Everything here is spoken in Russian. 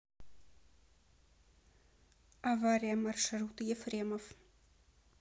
авария маршрут ефремов